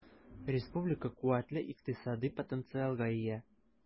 Республика куәтле икътисади потенциалга ия.